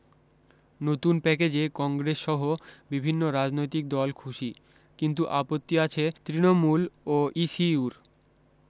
নতুন প্যাকেজে কংগ্রেস সহ বিভিন্ন রাজনৈতিক দল খুশি কিন্তু আপত্তি আছে তৃণমূল ও ইসিউসির